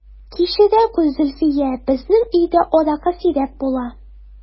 Кичерә күр, Зөлфия, безнең өйдә аракы сирәк була...